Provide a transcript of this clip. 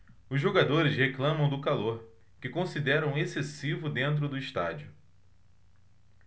os jogadores reclamam do calor que consideram excessivo dentro do estádio